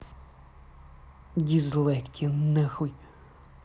дизлайк тебе нахуй